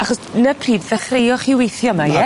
Achos ny pryd ddechreuoch chi withio yma ie?